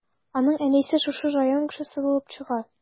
Аның әнисе шушы район кешесе булып чыга.